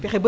fexe ba